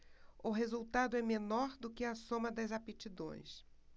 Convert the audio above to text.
o resultado é menor do que a soma das aptidões